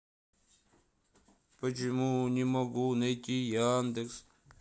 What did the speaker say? почему не могу найти яндекс